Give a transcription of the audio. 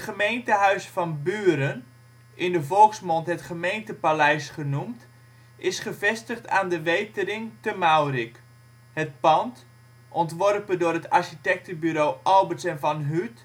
gemeentehuis van Buren, in de volksmond het gemeentepaleis genoemd, is gevestigd aan De Wetering te Maurik. Het pand, ontworpen door het architectenbureau Alberts & Van Huut,